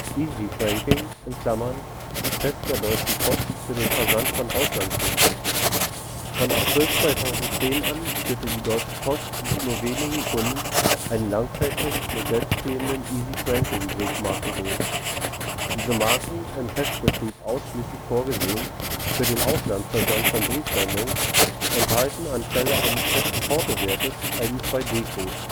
EasyFranking (Test der Deutschen Post für den Versand von Auslandsbriefen): Von April 2010 an führt die Deutsche Post mit nur wenigen Kunden einen Langzeittest mit selbstklebenden EasyFranking-Briefmarken durch. Die Marken, im Testbetrieb ausschließlich vorgesehen für den Auslandsversand von Briefsendungen, enthalten anstelle eines festen Portowertes einen 2D-Code